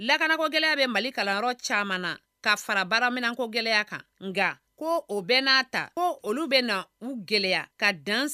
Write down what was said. Lakanako gɛlɛya bɛ Mali kalanyɔrɔ caaman na ka fara baaraminanko gɛlɛya kan nga ko o bɛɛ n'a ta ko olu bɛna u gɛlɛya ka dan s